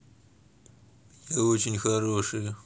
я очень хорошие